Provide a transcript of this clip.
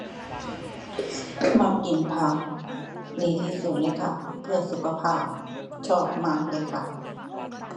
มักกินผัก ดีที่สุดเลยค่ะ เพื่อสุขภาพ ชอบมากเลยค่ะ